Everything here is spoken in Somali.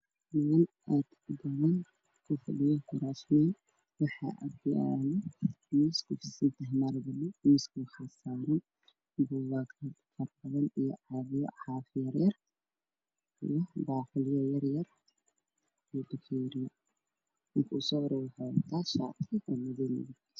nin aad ubuuran oo fadhiyey kuraas weyn waxaa ag yaala miis miiska waxaa saaran buugaag faro badan iyo dacayo yar yar iyo baaquliyo yar yar iyo bakeeriyo ninka wuu soo aruurinayaa